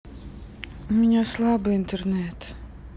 у меня слабый интернет